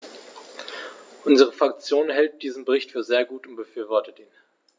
Unsere Fraktion hält diesen Bericht für sehr gut und befürwortet ihn.